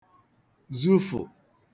zufụ